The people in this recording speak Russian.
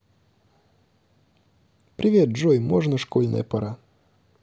привет джой можно школьная пора